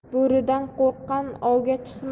bo'ridan qo'rqqan ovga chiqmas